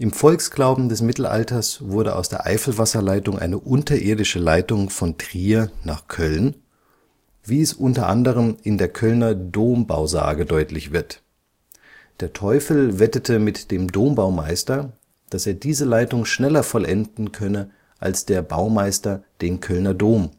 Volksglauben des Mittelalters wurde aus der Eifelwasserleitung eine unterirdische Leitung von Trier nach Köln, wie es unter anderem in der Kölner Dombausage deutlich wird – der Teufel wettete mit dem Dombaumeister, dass er diese Leitung schneller vollenden könne als der Baumeister den Kölner Dom